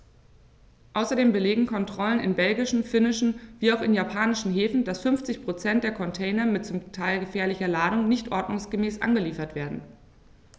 Außerdem belegen Kontrollen in belgischen, finnischen wie auch in japanischen Häfen, dass 50 % der Container mit zum Teil gefährlicher Ladung nicht ordnungsgemäß angeliefert werden.